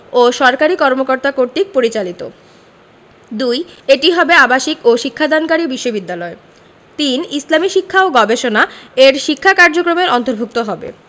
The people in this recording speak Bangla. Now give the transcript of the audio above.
ও সরকারি কর্মকর্তা কর্তৃক পরিচালিত ২. এটি হবে আবাসিক ও শিক্ষাদানকারী বিশ্ববিদ্যালয় ৩. ইসলামী শিক্ষা ও গবেষণা এর শিক্ষা কার্যক্রমের অন্তর্ভুক্ত হবে